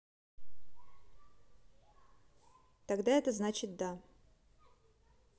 тогда это значит да